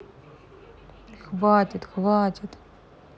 хватит хватит